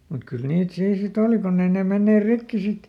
mutta kyllä niitä siinä sitten oli kun ei ne menneet rikki sitten